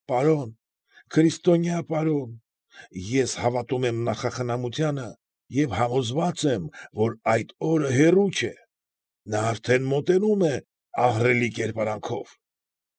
Պարոն, քրիստոնյա պարոն, ես հավատում եմ նախախնամությանը և համոզված եմ, որ այդ օրը հեռու չէ… նա արդեն մոտենում է ահռելի կերպարանքով։